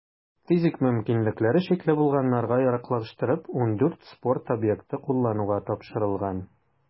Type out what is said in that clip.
Физик мөмкинлекләре чикле булганнарга яраклаштырып, 14 спорт объекты куллануга тапшырылган.